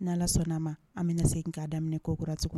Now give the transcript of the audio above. Ni sɔnna' ma an bɛna na se k'a daminɛ kokuraraso